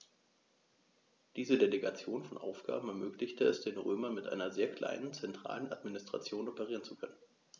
Diese Delegation von Aufgaben ermöglichte es den Römern, mit einer sehr kleinen zentralen Administration operieren zu können.